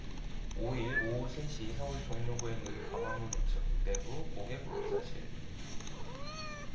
오 일 오후 세 시 서울 종로구에 있는 광화문우체국 내부 고객봉사실